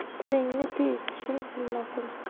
tilingni tiy tishing sinmasin